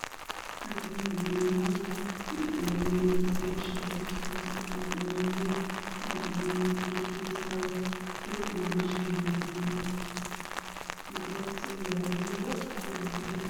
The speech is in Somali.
Waa meel waddo oo dhismo ka socdo waxaa ii muuqday niman birooyin hayaan nin fanaanad madow hayo qabo